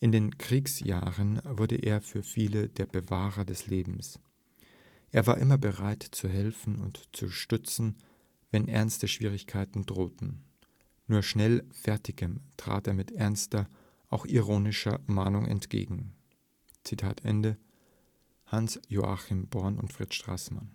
den Kriegsjahren wurde er für viele der Bewahrer des Lebens. Er war immer bereit, zu helfen und zu stützen, wenn ernste Schwierigkeiten drohten. Nur schnell Fertigem trat er mit ernster, auch ironischer Mahnung entgegen. “– Hans Joachim Born und Fritz Strassmann